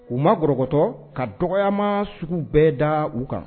U ma gɔrɔkɔtɔ ka dɔgɔyama sugu bɛɛ da u kan.